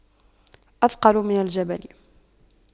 أثقل من جبل